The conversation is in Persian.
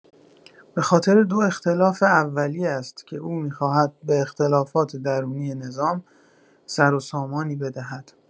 به‌خاطر دو اختلاف اولی است که او می‌خواهد به اختلافات درونی نظام سر و سامانی بدهد.